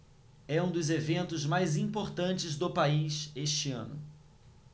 é um dos eventos mais importantes do país este ano